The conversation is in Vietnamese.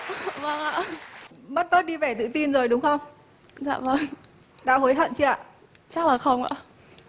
vâng ạ mất bớt đi vẻ tự tin rồi đúng không dạ vâng đã hối hận chưa ạ chắc là không ạ